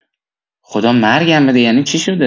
خدا مرگم بده یعنی چی شده؟